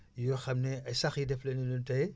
yoo xam ne ay sax daf leen ne nun tay